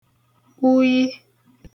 uyi